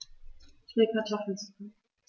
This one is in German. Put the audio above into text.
Ich will Kartoffelsuppe.